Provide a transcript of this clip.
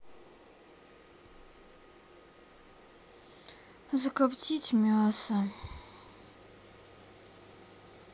закоптить мясо